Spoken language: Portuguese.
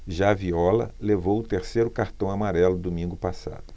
já viola levou o terceiro cartão amarelo domingo passado